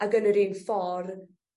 ag yn yr un ffor